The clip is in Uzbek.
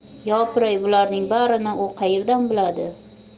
yopiray bularninng barini u qayerdan biladi